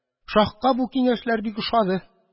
Шаһка бу киңәшләр бик ошады